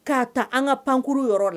K'a ta an ka pankkuru yɔrɔ la